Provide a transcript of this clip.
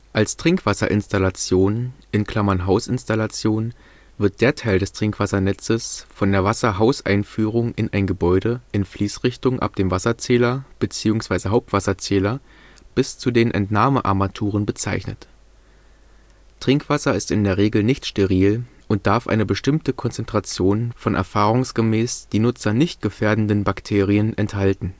Als Trinkwasserinstallation (Hausinstallation) wird der Teil des Trinkwassernetzes von der Wasserhauseinführung in ein Gebäude in Fließrichtung ab dem Wasserzähler bzw. Hauptwasserzähler bis zu den Entnahmearmaturen bezeichnet. Trinkwasser ist in der Regel nicht steril und darf eine bestimmte Konzentration von erfahrungsgemäß die Nutzer nicht gefährdenden Bakterien enthalten